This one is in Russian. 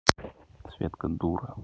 светка дура